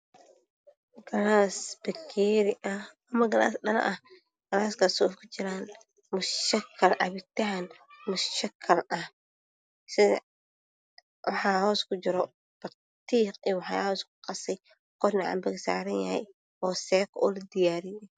Galaas bakeeri ah ama galaas dhalo ah galas kasoo ku jiraan mushakal cabitaan mushakal ah sida waxa hoos ku juro batiiq iyo wax yaabo la isku qasay korna cambo ka saranyahay o seko o la diyaariyay